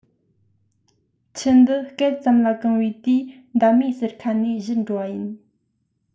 ཆུ འདི སྐེད ཙམ ལ གང བའི དུས འདབ མའི ཟུར ཁ ནས བཞུར འགྲོ བ ཡིན